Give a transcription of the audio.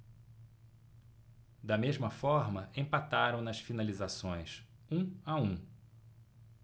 da mesma forma empataram nas finalizações um a um